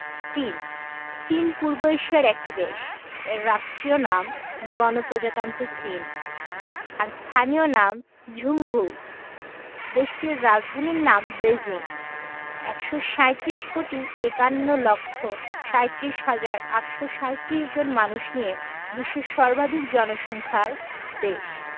চীনঃ চীন পূর্ব এশিয়ার একটি দেশ এর রাষ্ট্রীয় নাম গণপ্রজাতন্ত্রী চীন আর স্থানীয় নাম ঝুংঘু দেশটির রাজধানীর নাম বেইজিং ১৩৭ কোটি ৫১ লক্ষ ৩৭ হাজার ৮৩৭ জন মানুষ নিয়ে বিশ্বের সর্বাধিক জনসংখ্যার দেশ